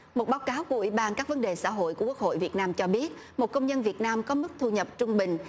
một báo cáo của ủy ban các vấn đề xã hội của quốc hội việt nam cho biết một công nhân việt nam có mức thu nhập trung bình